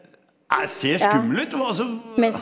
det ser skummel ut, men altså.